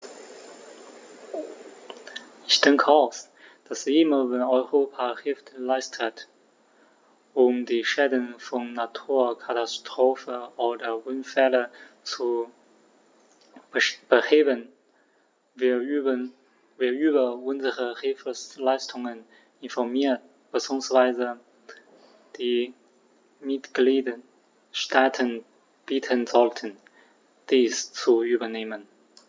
Ich denke auch, dass immer wenn Europa Hilfe leistet, um die Schäden von Naturkatastrophen oder Unfällen zu beheben, wir über unsere Hilfsleistungen informieren bzw. die Mitgliedstaaten bitten sollten, dies zu übernehmen.